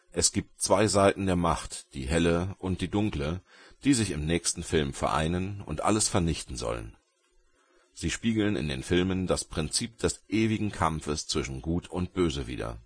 Es gibt zwei Seiten der Macht, die helle und die dunkle die sich im nächsten Film vereinen und alles vernichten sollen. Sie spiegeln in den Filmen das Prinzip des ewigen Kampfes zwischen Gut und Böse wider